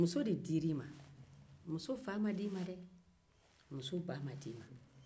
muso de dira i ma a fa n'a ba ma di i ma